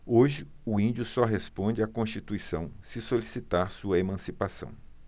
hoje o índio só responde à constituição se solicitar sua emancipação